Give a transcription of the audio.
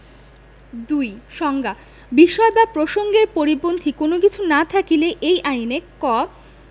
২ সংজ্ঞাঃ বিষয় বা প্রসংগের পরিপন্থী কোন কিছু না থাকিলে এই আইনেঃ ক